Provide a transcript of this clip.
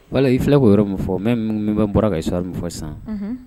Voila i filɛ k'o yɔrɔ min fɔ même bɔra ka histoire min fɔ sisan, unhun